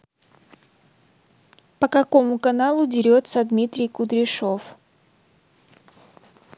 по какому каналу дерется дмитрий кудряшов